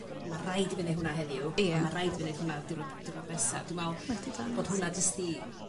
ma' raid i fi neu' hwnna heddiw. Ia. A ma' raid fi neud hwnna y diwrnod diwrnod nesa dwi me'wl... Mae 'di dangos. ... bod hwnna jyst 'di